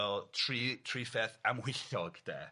O tri tri pheth amhwyllog 'de?